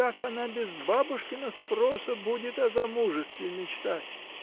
Как она без бабушкина спроса будет о замужестве мечтать?